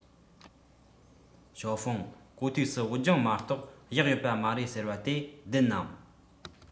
ཞའོ ཧྥུང གོ ཐོས སུ བོད ལྗོངས མ གཏོགས གཡག ཡོད པ མ རེད ཟེར བ དེ བདེན ནམ